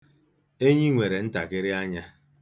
Enyi nwere ntakịrị anya.